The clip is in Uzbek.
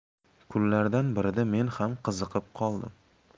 kunlardan birida men ham qiziqib qoldim